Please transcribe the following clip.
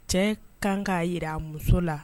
Cɛ kan ka yira a muso la.